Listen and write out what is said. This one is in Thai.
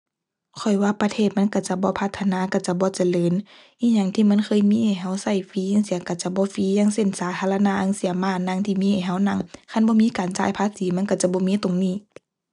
ข้อยว่าประเทศมันก็จะบ่พัฒนา ก็จะบ่เจริญ อิหยังที่มันเคยมีให้ก็ก็ฟรีจั่งซี้ ก็จะบ่ฟรี อย่างเช่น สาธารณะจั่งซี้ ม้านั่งที่มีให้ก็นั่ง คันบ่มีการจ่ายภาษีมันก็จะบ่มีตรงนี้